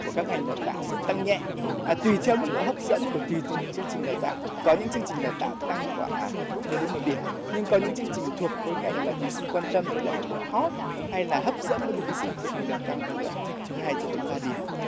của các ngành đào tạo sẽ tăng nhẹ tùy theo mức độ hấp dẫn của tùy từng chương trình đào tạo có những chương trình đào tạo tăng khoảng chưa đến một điểm nhưng có những chương trình thuộc khối ngành mà thí sinh quan tâm đấy là mức độ hót hay là hấp dẫn đối với thí sinh sẽ có thể tăng từ hai cho đến ba điểm